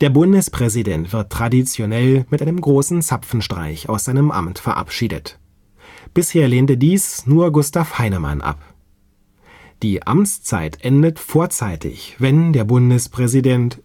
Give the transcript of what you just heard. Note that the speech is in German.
Bundespräsident wird traditionell mit einem Großen Zapfenstreich aus seinem Amt verabschiedet. Bisher lehnte dies nur Gustav Heinemann ab. Die Amtszeit endet vorzeitig, wenn der Bundespräsident